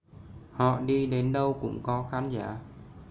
họ đi đến đâu cũng có khán giả